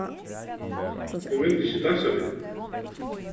hon vildi ikki dansa við honum